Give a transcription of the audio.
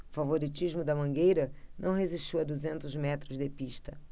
o favoritismo da mangueira não resistiu a duzentos metros de pista